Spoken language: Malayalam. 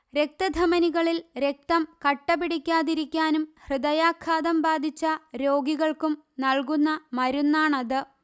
രക്ത ധമനികളിൽ രക്തം കട്ടപിടിക്കാതിരിക്കാനും ഹൃദയാഘാതം ബാധിച്ച രോഗികൾക്കും നല്കുന്ന മരുന്നാണത്